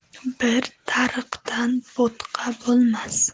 bir tariqdan bo'tqa bo'lmas